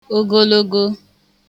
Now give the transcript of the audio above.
ogologo